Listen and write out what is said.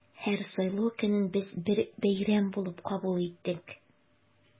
Һәр сайлау көнен без бер бәйрәм булып кабул иттек.